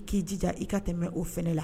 I k'ija i ka tɛmɛ mɛn o f la